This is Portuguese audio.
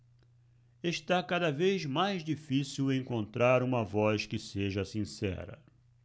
está cada vez mais difícil encontrar uma voz que seja sincera